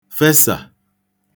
fesà